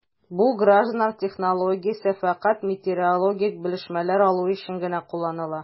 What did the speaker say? Бу гражданнар технологиясе фәкать метеорологик белешмәләр алу өчен генә кулланыла...